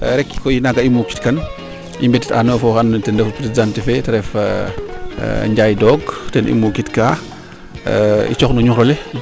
rek koy naaga i muukit tan i mbetit aanoyo fo oxe ando naye ten refu presidente fee te ref Ndiaye Dogue ten i muukit taa i cooxno ñuxrole